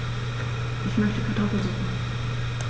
Ich möchte Kartoffelsuppe.